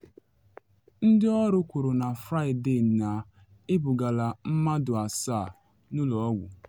Ndị ọrụ kwuru na Fraịde na ebugala mmadụ asaa n’ụlọ ọgwụ.